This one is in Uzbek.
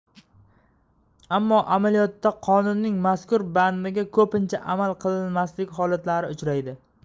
ammo amaliyotda qonunning mazkur bandiga ko'pincha amal qilinmasligi holatlari uchraydi